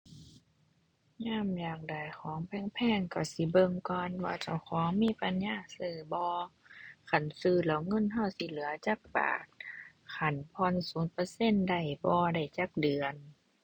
ยามอยากได้ของแพงแพงก็สิเบิ่งก่อนว่าเจ้าของมีปัญญาซื้อบ่ คันซื้อแล้วเงินก็สิเหลือจักบาท คันผ่อนศูนย์เปอร์เซ็นต์ได้บ่ ได้จักเดือน